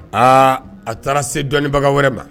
Aa a taara se dɔɔninbaga wɛrɛ ma